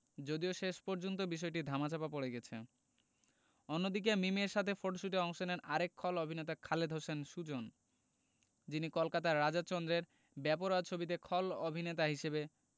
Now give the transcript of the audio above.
যদিও শেষ পর্যন্ত বিষয়টি ধামাচাপা পড়ে গেছে অন্যদিকে মিমের সাথে ফটশুটে অংশ নেন আরেক খল অভিনেতা খালেদ হোসেন সুজন যিনি কলকাতার রাজা চন্দের বেপরোয়া ছবিতে খল অভিননেতা হিসেবে